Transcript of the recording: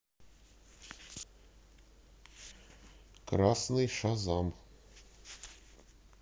красный шазам